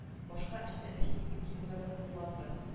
Башка эштә эшлисе килмәде хурланды